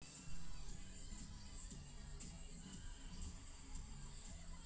ты тихо же сделала ты не на то он нажимает